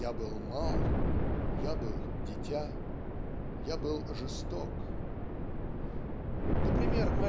я был мал, я был дитя, я был жесток. Например